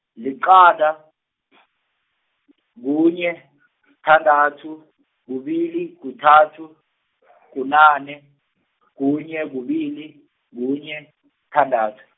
liqanda , kunye , sithandathu, kubili, kuthathu, kunane, kunye, kubili, kunye, sithandathu.